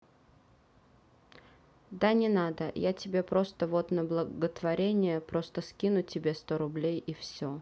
да не не надо я тебе просто вот на благотворение просто скину тебе сто рублей и все